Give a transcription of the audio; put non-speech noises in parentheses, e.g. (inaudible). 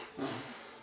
(hesitation) (hesitation)